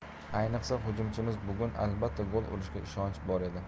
ayniqsa hujumimiz bugun albatta gol urishiga ishonch bor edi